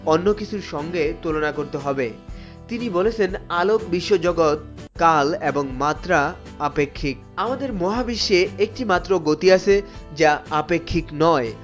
অন্য কিছুর সঙ্গে তুলনা করতে হবে তিনি বলেছেন আলোক বিশ্ব জগত কাল এবং মাত্রা আপেক্ষিক আমাদের মহাবিশ্বে একটিমাত্র গতি আছে যা আপেক্ষিক নয়